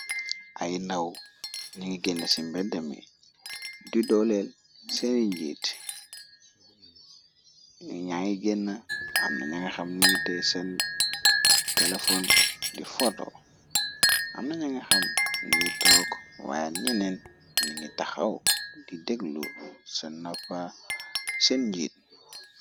ay naw ñingi génn ci mbédeme di dooleel seen njiit yu ñaay génn amna ñang xam ningi te seen telefon di foto amna ñanga xam ningi took waayé ñeneen ningi taxaw di déglu sa napa seen njiit